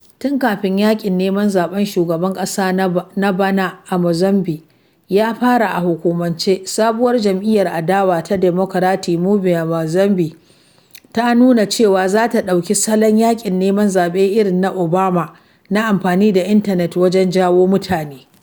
Tun kafin yaƙin neman zaɓen shugaban ƙasa na bana a Mozambique ya fara a hukumance, sabuwar jam’iyyar adawa ta Democratic Movement of Mozambique (MDM) ta nuna cewa za ta ɗauki salon yaƙin neman zaɓe irin na“Obama” na amfani da intanet wajen jawo mutane.